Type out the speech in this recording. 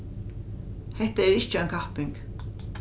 hetta er ikki ein kapping